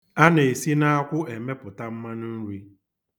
A na-esi n'akwu emepụta mmanụ nri.